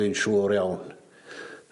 ...dwi'n sîwr iawn.